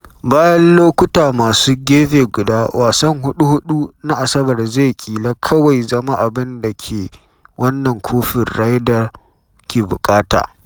Bayan lokuta masu gefe guda, wasan huɗu-huɗu na Asabar zai kila kawai zama abin da ke wannan Kofin Ryder ke buƙata.